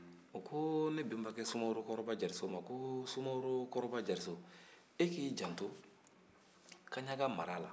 u ko ne bɛnbakɛ sumaworo kɔrɔba jariso ma ko sumaworo kɔrɔba jariso i k'i janto kaɲaga mara la